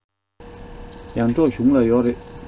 ཡར འབྲོག གཞུང ལ ཡོག རེད